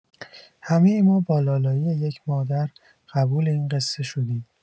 همه ما با لالایی یک مادر قبول این قصه شدیم.